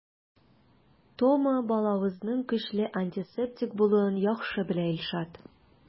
Тома балавызның көчле антисептик булуын яхшы белә Илшат.